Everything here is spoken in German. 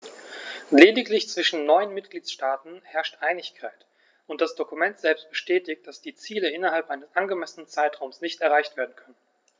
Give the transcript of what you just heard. Lediglich zwischen neun Mitgliedsstaaten herrscht Einigkeit, und das Dokument selbst bestätigt, dass die Ziele innerhalb eines angemessenen Zeitraums nicht erreicht werden können.